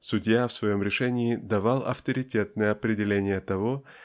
Судья в своем решении давал авторитетное определение того